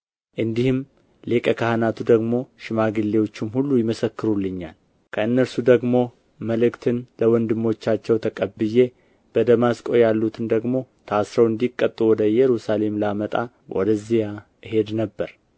እንዲህም ሊቀ ካህናቱ ደግሞ ሽማግሌዎቹም ሁሉ ይመሰክሩልኛል ከእነርሱ ደግሞ መልእክትን ለወንድሞቻቸው ተቀብዬ በደማስቆ ያሉትን ደግሞ ታስረው እንዲቀጡ ወደ ኢየሩሳሌም ላመጣ ወደዚያ እሄድ ነበር